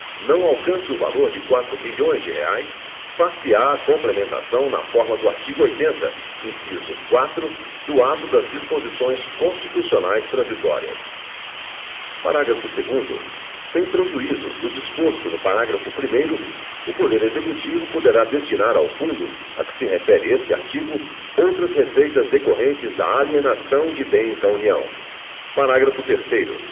não alcance o valor de quatro bilhões de reais far se à complementação na forma do artigo oitenta inciso quatro do ato das disposições constitucionais transitórias parágrafo segundo sem prejuízo do disposto no parágrafo primeiro o poder executivo poderá destinar ao fundo a que se refere este artigo outras receitas decorrentes da alienação de bens da união parágrafo terceiro